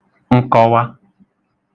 nkọwa